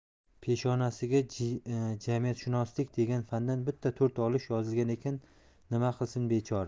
peshonasiga jamiyatshunoslik degan fandan bitta to'rt olish yozilgan ekan nima qilsin bechora